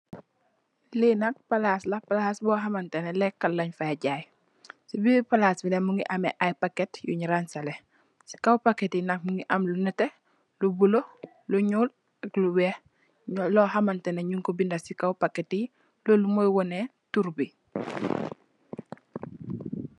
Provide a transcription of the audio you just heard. Li nak palass la palass boh Hamanteh neh leka lenj Fay jai sey birr palass bi nak Mungi ameh i packet nyung ranseh leh sey kaw packeti nak Mungi am lu netah lu blue lu nyuul ak lu weih lo hamanteh neh nyung ko binda sey kaw packeti lolu moi waneh turr bi.